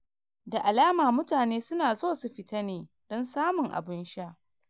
Da alama mutane su na so su fita ne don samun abun sha.